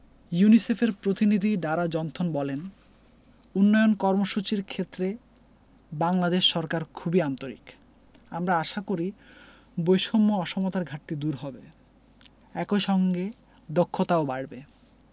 ইউনিসেফের প্রতিনিধি Dara Jonathan বলেন উন্নয়ন কর্মসূচির ক্ষেত্রে বাংলাদেশ সরকার খুবই আন্তরিক আমরা আশা করি বৈষম্য অসমতার ঘাটতি দূর হবে একই সঙ্গে দক্ষতাও বাড়বে